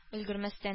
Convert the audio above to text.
Өлгермәстән